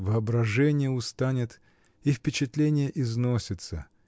воображение устанет, — и впечатление износится.